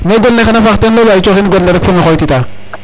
Me gon le xan a faax teen lool way fo me o xooytitaa